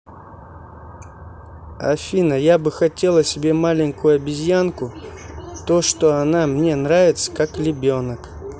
афина я бы хотела себе маленькую обезьянку то что она мне нравится как лебенок